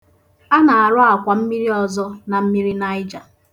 A na-arụ akwammiri ọzọ na Mmiri Naịja.